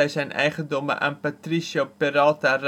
zijn eigendommen aan Patricio Peralta